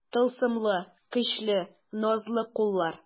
Тылсымлы, көчле, назлы куллар.